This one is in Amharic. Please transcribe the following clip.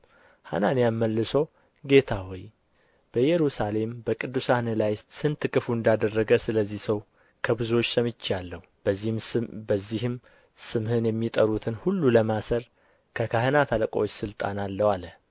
ሐናንያም መልሶ ጌታ ሆይ በኢየሩሳሌም በቅዱሳንህ ላይ ስንት ክፉ እንዳደረገ ስለዚህ ሰው ከብዙዎች ሰምቼአለሁ በዚህም ስምህን የሚጠሩትን ሁሉ ለማሰር ከካህናት አለቆች ሥልጣን አለው አለ